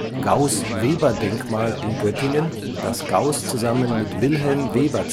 Gauß-Weber-Denkmal in Göttingen, das Gauß zusammen mit Wilhelm Weber